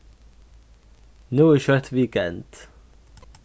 nú er skjótt weekend